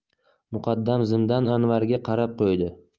muqaddam zimdan anvarga qarab qo'ydi